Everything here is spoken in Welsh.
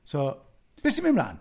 So, beth sy'n mynd ymlaen?